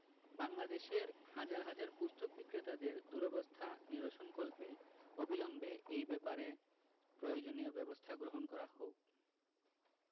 বাংলাদেশের হাজার হাজার পুস্তক বিক্রেতাদের দুরবস্থা নিরসনকল্পে অবিলম্বে এই ব্যাপারে প্রয়োজনীয় ব্যাবস্থা গ্রহণ করা হোক